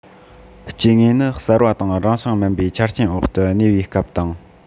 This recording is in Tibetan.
སྐྱེ དངོས ནི གསར བ དང རང བྱུང མིན པའི ཆ རྐྱེན འོག ཏུ གནས པའི སྐབས དང